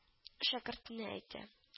Шәкертенә әйтә: